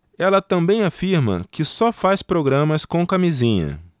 ela também afirma que só faz programas com camisinha